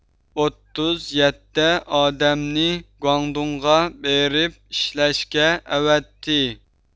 ئوتتۇز يەتتە ئادەمنى گۇاڭدۇڭغا بېرىپ ئىشلەشكە ئەۋەتتى